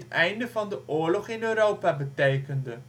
einde van de oorlog in Europa betekende